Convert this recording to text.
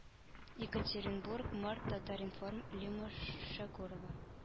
Екатеринбург март татар-информ лима шәкүрова